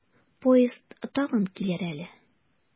Поезд тагын килер әле.